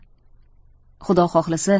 xudo xohlasa